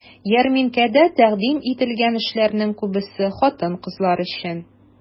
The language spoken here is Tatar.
Ярминкәдә тәкъдим ителгән эшләрнең күбесе хатын-кызлар өчен.